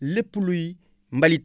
lépp luy mbalit